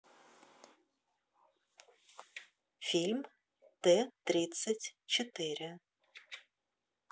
фильм т тридцать четыре